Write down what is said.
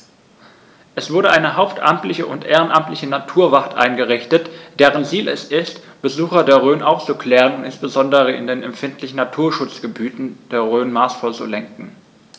Es wurde eine hauptamtliche und ehrenamtliche Naturwacht eingerichtet, deren Ziel es ist, Besucher der Rhön aufzuklären und insbesondere in den empfindlichen Naturschutzgebieten der Rhön maßvoll zu lenken.